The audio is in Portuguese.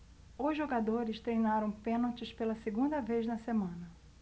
os jogadores treinaram pênaltis pela segunda vez na semana